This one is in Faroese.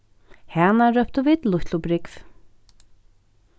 hana róptu vit lítlubrúgv